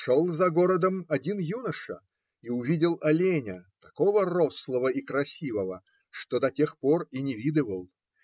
Шел за городом один юноша и увидел оленя, такого рослого и красивого, что до тех пор и не видывал.